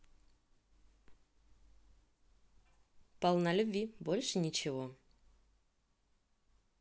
polnalyubvi больше ничего